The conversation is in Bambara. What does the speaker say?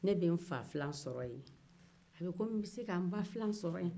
ne bɛ n'fafilan sɔrɔ yen a bɛ komi n'bɛ se ka n'ba filan sɔrɔ yen